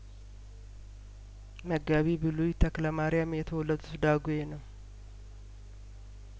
መጋቢ ብሉይ ተክለማሪያም የተወለዱት ዳጔ ነው